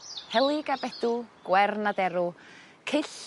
Helyg a bedw gwern a derw cyll